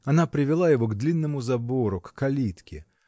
Она привела его к длинному забору, к калитке